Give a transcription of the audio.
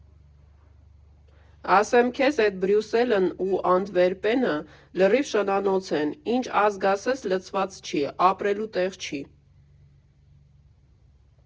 Ասեմ քեզ, էդ Բրյուսելն ու Անտվերպենը լրիվ շնանոց են, ինչ ազգ ասես լցված չի, ապրելու տեղ չի։